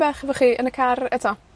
bach efo chi yn y car eto.